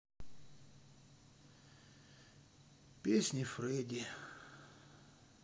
песни фреди